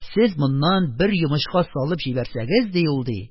Сез моннан бер йомычка салып җибәрсәгез, ди, ул, ди